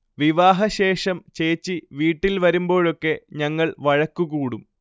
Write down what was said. വിവാഹശേഷം ചേച്ചി വീട്ടിൽ വരുമ്ബോഴൊക്കെ ഞങ്ങൾ വഴക്കുകൂടും